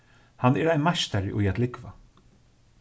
hann er ein meistari í at lúgva